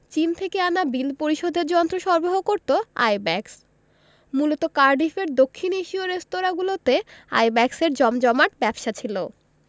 চীন থেকে আনা বিল পরিশোধের যন্ত্র সরবরাহ করত আইব্যাকস মূলত কার্ডিফের দক্ষিণ এশীয় রেস্তোরাঁগুলোতে আইব্যাকসের জমজমাট ব্যবসা ছিল